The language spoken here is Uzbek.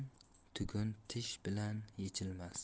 tugun tish bilan yechilmas